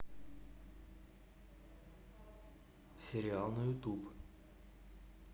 сериал на ютуб